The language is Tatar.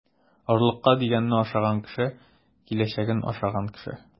Орлыкка дигәнне ашаган кеше - киләчәген ашаган кеше.